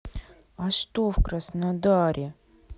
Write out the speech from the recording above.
а что в краснодаре